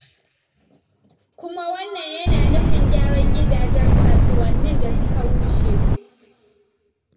Kuma wannan yana nufin gyaran gidajen kasuwannin da suka rushe.